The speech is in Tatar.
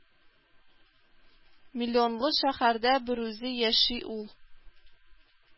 Миллионлы шәһәрдә берүзе яши ул.